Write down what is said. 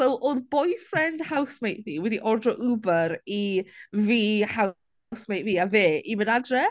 So, oedd boyfriend housemate fi wedi ordro Uber i fi, housemate fi a fe i mynd adre...